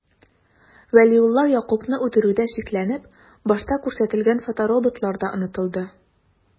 Вәлиулла Ягъкубны үтерүдә шикләнеп, башта күрсәтелгән фотороботлар да онытылды...